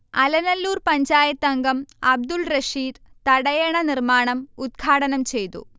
അലനല്ലൂർ പഞ്ചായത്തംഗം അബ്ദുൾറഷീദ് തടയണ നിർമാണം ഉദ്ഘാടനംചെയ്തു